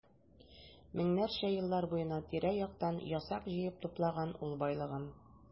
Меңнәрчә еллар буена тирә-яктан ясак җыеп туплаган ул байлыгын.